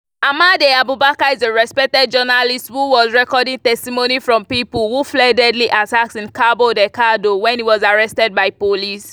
Amade Abubacar is a respected journalist who was recording testimony from people who fled deadly attacks in Cabo Delgado when he was arrested by police.